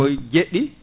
ko jeeɗiɗi